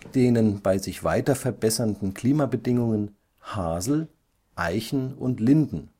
denen bei sich weiter verbessernden Klimabedingungen Hasel, Eichen und Linden